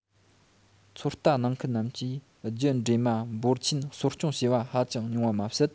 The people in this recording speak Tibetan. ཚོད ལྟ གནང མཁན རྣམས ཀྱིས རྒྱུད འདྲེས མ འབོར ཆེན གསོ སྐྱོང བྱས པ ཧ ཅང ཉུང བ མ ཟད